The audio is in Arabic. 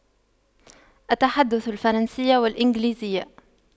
أتحدث الفرنسية والإنجليزية